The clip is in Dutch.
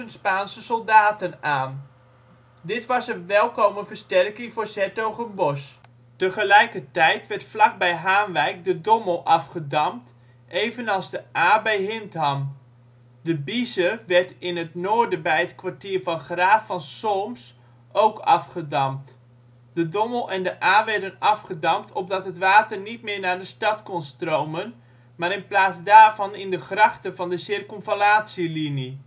Spaanse soldaten aan. Dit was een welkome versterking voor ' s-Hertogenbosch. Tegelijkertijd werd vlakbij Haanwijk de Dommel afgedamd, evenals de Aa bij Hintham. De Dieze werd in het noorden bij het Kwartier van Graaf van Solms ook afgedamd. De Dommel en de Aa werden afgedamd, opdat het water niet meer naar de stad kon stromen, maar in plaats daarvan in de grachten van de circumvallatielinie